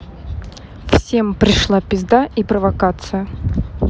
всем пришла пизда и провокация